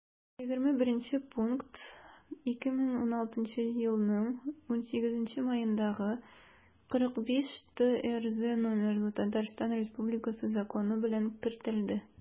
21 пункт 2016 елның 18 маендагы 45-трз номерлы татарстан республикасы законы белән кертелде